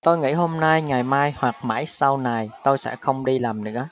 tôi nghĩ hôm nay ngày mai hoặc mãi sau này tôi sẽ không đi làm nữa